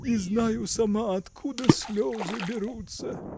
не знаю сама, откуда слезы берутся.